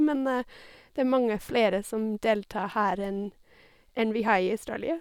Men det er mange flere som deltar her enn enn vi har i Australia.